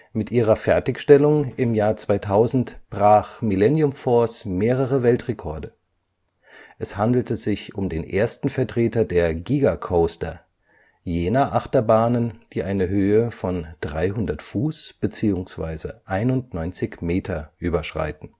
Mit ihrer Fertigstellung im Jahr 2000 brach Millennium Force mehrere Weltrekorde. Es handelte sich um den ersten Vertreter der Giga Coaster, jener Achterbahnen, die eine Höhe von 300 Fuß (91 Meter) überschreiten